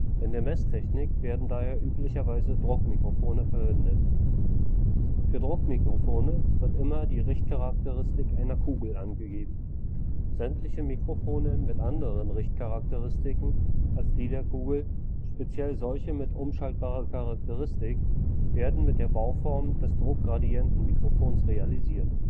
In der Messtechnik werden daher üblicherweise Druckmikrofone verwendet. Für Druckmikrofone wird immer die Richtcharakteristik einer Kugel angegeben. Sämtliche Mikrofone mit anderen Richtcharakteristiken als die der Kugel, speziell solche mit umschaltbarer Charakteristik, werden mit der Bauform des Druckgradientenmikrofons realisiert